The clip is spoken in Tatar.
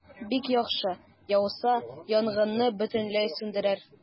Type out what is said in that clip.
Бик яхшы, яуса, янгынны бөтенләй сүндерер.